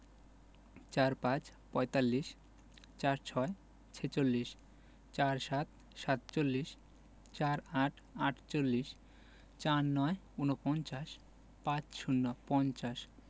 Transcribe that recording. ৪৫ - পঁয়তাল্লিশ ৪৬ - ছেচল্লিশ ৪৭ - সাতচল্লিশ ৪৮ -আটচল্লিশ ৪৯ – উনপঞ্চাশ ৫০ - পঞ্চাশ